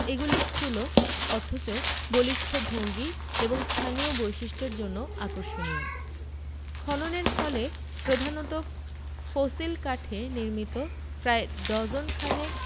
এগুলি স্থুল অথচ বলিষ্ঠ ভঙ্গি এবং স্থানীয় বৈশিষ্ট্যের জন্য আকর্ষণীয় খননের ফলে প্রধানত ফসিল কাঠে নির্মিত প্রায় ডজন খানেক